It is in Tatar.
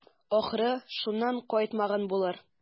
Ахры, шуннан кайтмаган булыр.